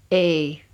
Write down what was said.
ei